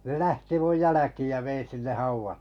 ne lähti minun jälkiin ja vein sinne -